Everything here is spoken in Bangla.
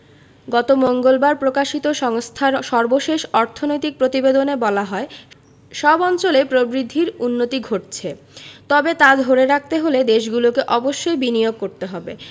গত মঙ্গলবার প্রকাশিত সংস্থার সর্বশেষ অর্থনৈতিক প্রতিবেদনে বলা হয় সব অঞ্চলেই প্রবৃদ্ধির উন্নতি ঘটছে তবে তা ধরে রাখতে হলে দেশগুলোকে অবশ্যই বিনিয়োগ করতে হবে